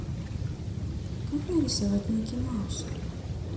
как нарисовать микки мауса